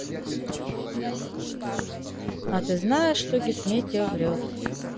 а ты знаешь что гисметео врет